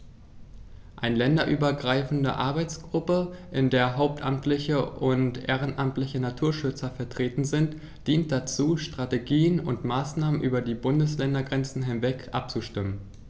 Eine länderübergreifende Arbeitsgruppe, in der hauptamtliche und ehrenamtliche Naturschützer vertreten sind, dient dazu, Strategien und Maßnahmen über die Bundesländergrenzen hinweg abzustimmen.